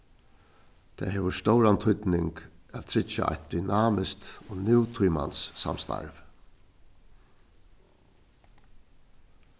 tað hevur stóran týdning at tryggja eitt dynamiskt og nútímans samstarv